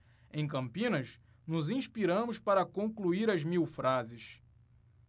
em campinas nos inspiramos para concluir as mil frases